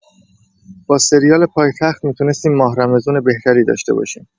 با سریال پایتخت می‌تونستیم ماه رمضون بهتری داشته باشیم!